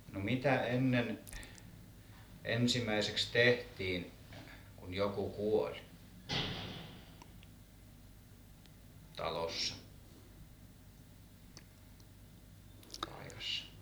no mitä ennen ensimmäiseksi tehtiin kun joku kuoli talossa paikassa